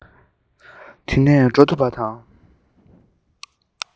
འདི ནས འགྲོ ཐུབ པ དང